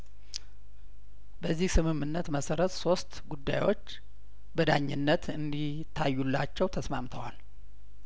በዚህ ስምምነት መሰረት ሶስት ጉዳዮች በዳኝነት እንዲ ታዩላቸው ተስማምተዋል